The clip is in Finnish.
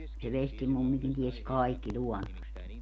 se vestimummikin tiesi kaikki luonnosta